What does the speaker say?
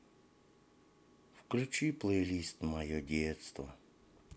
включи плейлист мое детство